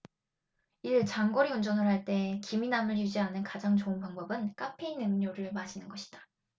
일 장거리 운전을 할 때 기민함을 유지하는 가장 좋은 방법은 카페인 음료를 마시는 것이다